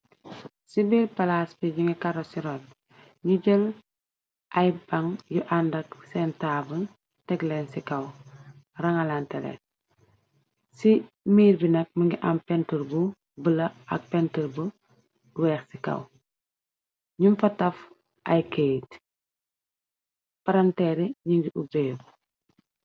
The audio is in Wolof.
Ci biir palaas bi yi ngi kara ci ron ñi jël ay pang yu àndak seen taaba teg leen ci kaw rangalante leen ci miir bi nak më ngi am pentur bu bëla ak pentur bu weex ci kaw ñyung fa taf ay kayt paranteere yi ngi ubeerku.